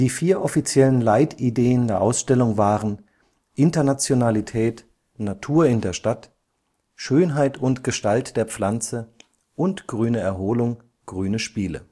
vier offiziellen Leitideen der Ausstellung waren „ Internationalität, Natur in der Stadt, Schönheit und Gestalt der Pflanze und grüne Erholung, grüne Spiele